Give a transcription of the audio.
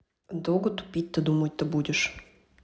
а долго тупить то думать то будешь